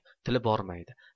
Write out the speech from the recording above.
tili bormaydi